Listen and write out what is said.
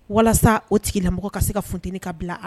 Walasa o tigilamɔgɔ ka se ka fteni ka bila